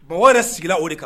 Bon wɛrɛ yɛrɛ sigira o de kan